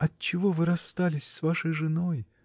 отчего вы расстались с вашей женой?